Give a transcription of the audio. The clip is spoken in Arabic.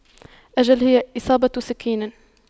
أجل هي إصابة سكين